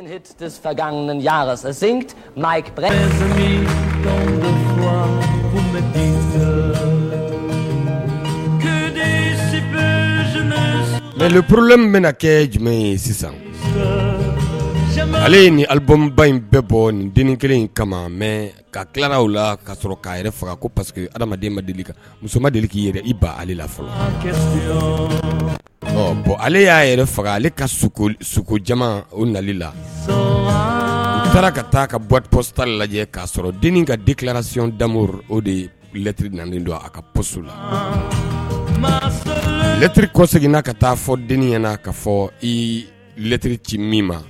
Kelenleporolen bɛna kɛ jumɛn ye sisan ale ye ni alibanmba in bɛɛ bɔ nin den kelen in kama mɛ ka tila la ka sɔrɔ k'a yɛrɛ faga ko paseke adamaden ma deli kan muso deli k'i yɛrɛ i ba ale la fɔlɔ bɔn ale y'a yɛrɛ faga ale ka su jama o nali la sɔ taara ka taa ka bɔta lajɛ k kaa sɔrɔ dennin ka di tilarasiɔn damo o de ye lɛtri naen don a kas la malɛtri kɔ seginnana ka taa fɔ dennin ɲɛna na ka fɔ ilɛtri ci min ma